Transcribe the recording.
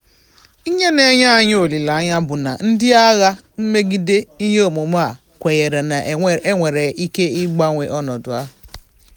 Ihe na-enye anyị olileanya bụ na ndị agha mmegide ihe omume a kwenyere na e nwere ike ịgbanwe ọnọdụ a.